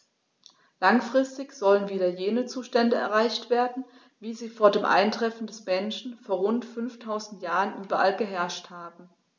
Langfristig sollen wieder jene Zustände erreicht werden, wie sie vor dem Eintreffen des Menschen vor rund 5000 Jahren überall geherrscht haben.